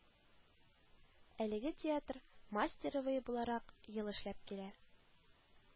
Әлеге театр “Мастеровые” буларак ел эшләп килә